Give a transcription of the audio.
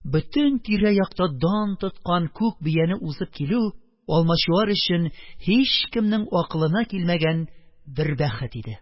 Бөтен тирә-якта дан тоткан күк бияне узып килү Алмачуар өчен һичкемнең акылына килмәгән бер бәхет иде.